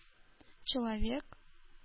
Человек